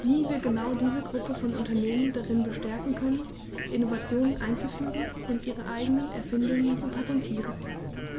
wie wir genau diese Gruppe von Unternehmen darin bestärken können, Innovationen einzuführen und ihre eigenen Erfindungen zu patentieren.